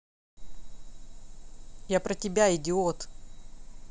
я про тебя идиот